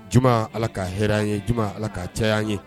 Juma ala ka h hɛrɛ ye juma ala ka caya an ye